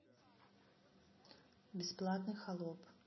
бесплатный холоп